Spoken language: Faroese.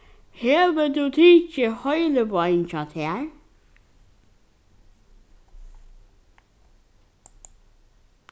hevur tú tikið heilivágin hjá tær